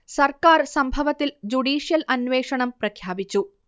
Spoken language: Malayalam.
സർക്കാർ സംഭവത്തിൽ ജുഡീഷ്യൽ അന്വേഷണം പ്രഖ്യാപിച്ചു